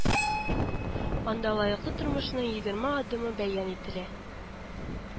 Анда лаеклы тормышның егерме адымы бәян ителә